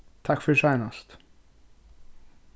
takk fyri seinast